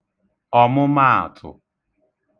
ọ̀mụmaàtụ̀